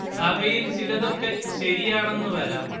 അവയിൽ ചിലതൊക്കെ ശരിയാണെന്ന് വരാം